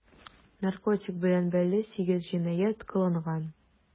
Наркотиклар белән бәйле 8 җинаять кылынган.